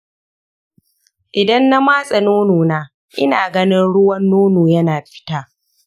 idan na matse nono na, ina ganin ruwan nono yana fita.